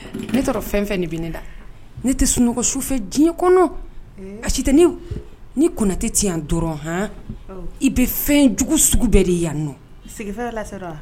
Ne ne ne tɛ sunɔgɔ su fɛ diɲɛ kɔnɔ a sit ni kunnatɛ tiɲɛ yan dɔrɔn h i bɛ fɛnjugu sugu bɛɛ de yan n